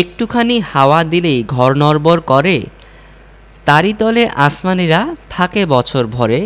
একটু খানি হাওয়া দিলেই ঘর নড়বড় করে তারি তলে আসমানীরা থাকে বছর ভরে